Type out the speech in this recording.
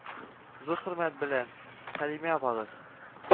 Зур хөрмәт белән, Хәлимә апагыз